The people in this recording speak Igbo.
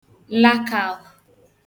lakàhụ̄